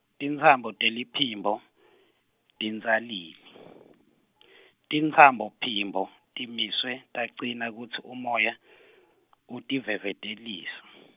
tintsambo teliphimbo, tintsalile , Tintsambophimbo, timiswe, tacina kutsi umoya , utivevetelisa.